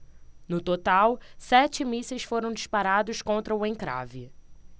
no total sete mísseis foram disparados contra o encrave